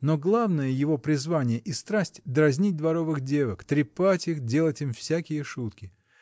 Но главное его призвание и страсть — дразнить дворовых девок, трепать их, делать всякие штуки.